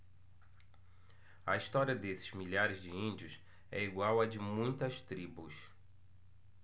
a história desses milhares de índios é igual à de muitas tribos